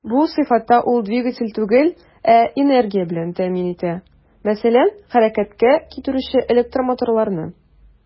Бу сыйфатта ул двигатель түгел, ә энергия белән тәэмин итә, мәсәлән, хәрәкәткә китерүче электромоторларны.